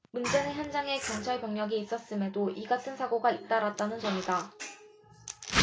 문제는 현장에 경찰병력이 있었음에도 이 같은 사고가 잇따랐다는 점이다